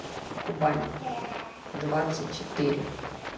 кубань двадцать четыре